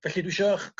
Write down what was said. felly dwi isio'ch